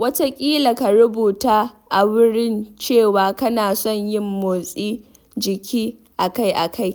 Wataƙila ka rubuta a wurin cewa kana son yin motsa jiki akai-akai,